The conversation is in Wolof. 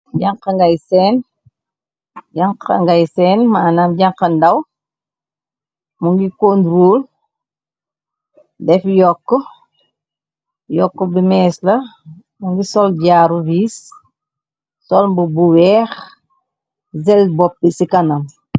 janxa ngay sèèn maanam janxa ndaw mu ngi kondrol dèf yóku yóku bi més la mu ngi sol jaru wiis sol mbubu bu wèèx zel bópi ci kanam.